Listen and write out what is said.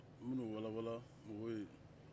an bɛ n'o walanwalan mɔgɔw ye